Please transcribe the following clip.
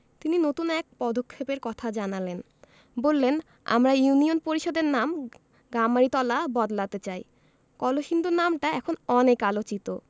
তিনি নতুন এক পদক্ষেপের কথা জানালেন বললেন আমরা ইউনিয়ন পরিষদের নাম গামারিতলা বদলাতে চাই কলসিন্দুর নামটা এখন অনেক আলোচিত